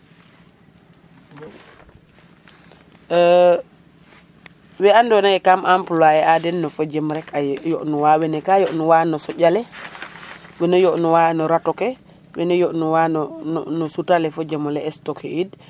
we ando naye kam enploier a den no fojem reka joɗ nuwa wene ka yoɗ nuwa a soƴa le wene yoɗ nuwa no rato ke wene yoɗ nuwa na sutale fojemole stocker in